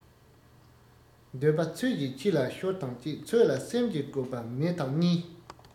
འདོད པ ཚོད ཀྱི ཕྱི ལ ཤོར དང གཅིག ཚོད ལ སེམས ཀྱི བཀོད པ མེད དང གཉིས